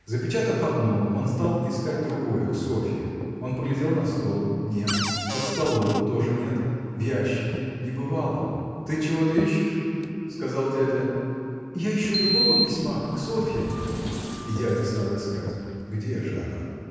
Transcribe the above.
Запечатав одно, он стал искать другое, к Софье. Он поглядел на стол – нет под столом – тоже нет в ящике – не бывало. – Ты чего-то ищешь? – сказал дядя. – Я ищу другого письма. к Софье. И дядя стал искать. – Где же оно?